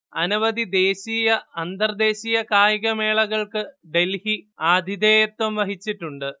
അനവധി ദേശീയ അന്തർദേശീയ കായികമേളകൾക്ക് ഡെൽഹി ആതിഥേയത്വം വഹിച്ചിട്ടുണ്ട്